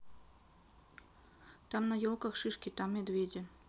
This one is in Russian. там на елках шишки там медведи